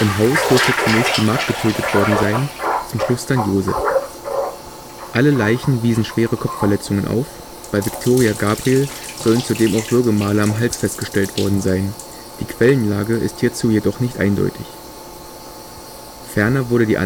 Haus dürfte zunächst die Magd getötet worden sein, zum Schluss dann Josef. Alle Leichen wiesen schwere Kopfverletzungen auf, bei Viktoria Gabriel sollen zudem auch Würgemale am Hals festgestellt worden sein, die Quellenlage ist hierzu jedoch nicht eindeutig. Ferner wurde die